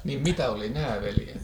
niin mitä oli nääveleitä